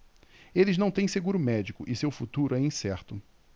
eles não têm seguro médico e seu futuro é incerto